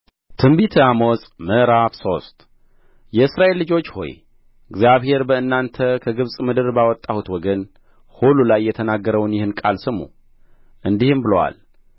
ትንቢተ አሞጽ ምዕራፍ ሶስት የእስራኤል ልጆች ሆይ እግዚአብሔር በእናንተ ከግብጽ ምድር ባወጣሁት ወገን ሁሉ ላይ የተናገረውን ይህን ቃል ስሙ እንዲህም ብሎአል